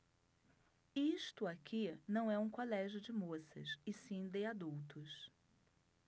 isto aqui não é um colégio de moças e sim de adultos